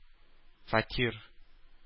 Фатир